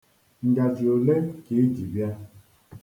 Ngaji ole ka i ji bịa?